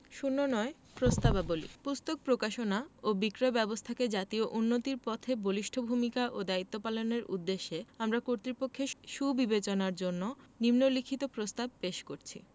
০৯ প্রস্তাবাবলী পুস্তক প্রকাশনা ও বিক্রয় ব্যাবস্থাকে জাতীয় উন্নতির পথে বলিষ্ঠ ভূমিকা ও দায়িত্ব পালনের উদ্দেশ্যে আমরা কর্তৃপক্ষের সুবিবেচনার জন্য নিন্ম লিখিত প্রস্তাব পেশ করছি